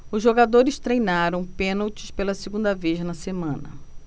os jogadores treinaram pênaltis pela segunda vez na semana